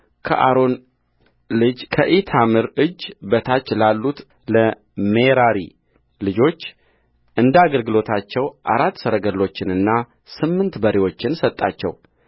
ከአሮን ልጅ ከኢታምር እጅ በታች ላሉት ለሜራሪ ልጆች እንደ አገልግሎታቸው አራት ሰረገሎችንና ስምንት በሬዎችን ሰጣቸው